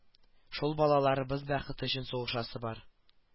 Шул балаларыбыз бәхете өчен сугышасы бар